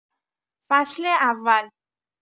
فصل اول